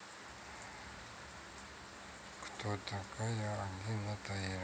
кто такая алина таирова